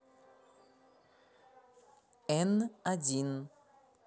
н один